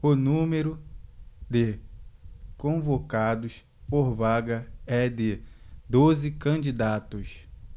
o número de convocados por vaga é de doze candidatos